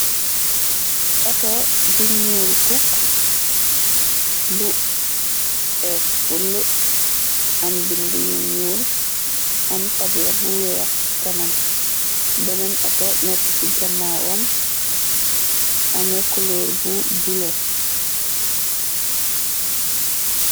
Oto bu ñuur cook, bu es, bul am bind yu ñuur, am tabla bu weex ci kanam, beneen oto nekk ci ganaawam, ame culóor bu bula.